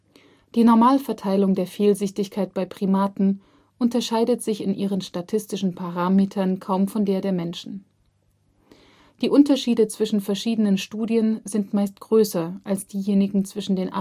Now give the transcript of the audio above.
Die Normalverteilung der Fehlsichtigkeit bei Primaten unterscheidet sich in ihren statistischen Parametern kaum von der von Menschen. Die Unterschiede zwischen verschiedenen Studien sind meist größer als diejenigen zwischen